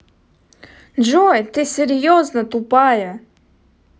джой ты серьезно тупая